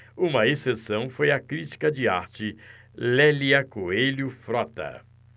uma exceção foi a crítica de arte lélia coelho frota